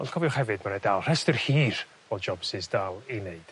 ond cofiwch hefyd ma' 'na dal rhestr hir o jobsys dal i 'neud.